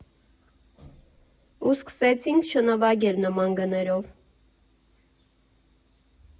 Ու սկսեցինք չնվագել նման գներով»։